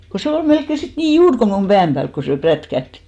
kun se oli melkein sitten niin juuri kuin minun pään päällä kun se prätkähti